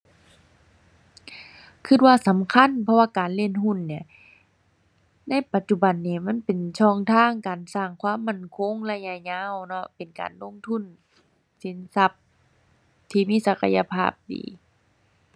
คิดว่าสำคัญ เพราะว่าการเล่นหุ้นเนี่ย ในปัจจุบันนี่มันเป็นช่องทางที่การสร้างความมั่นคงระยะยาวเนาะ เป็นการลงทุนสินทรัพย์ ที่มีศักยภาพดี